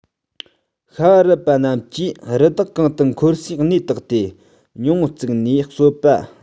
ཤ བ རི པ རྣམས ཀྱིས རི དྭགས གང དུ འཁོར སའི གནས བརྟགས ཏེ རྙོང བཙུགས ནས གསོད པ